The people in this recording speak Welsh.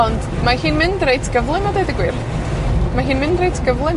Ond mae hi'n mynd reit gyflym a deud y gwir. Ma hi'n mynd reit gyflym.